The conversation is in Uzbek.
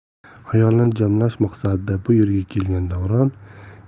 xayolini jamlash maqsadida bu yerga